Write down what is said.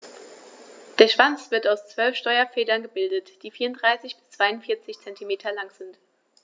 Der Schwanz wird aus 12 Steuerfedern gebildet, die 34 bis 42 cm lang sind.